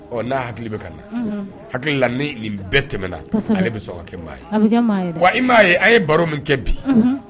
Ɔ n'a hakili bɛ ka na hakili la bɛɛ tɛmɛna ale bɛ kɛ' ye wa i m'a ye a ye baro min kɛ bi